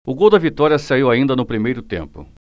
o gol da vitória saiu ainda no primeiro tempo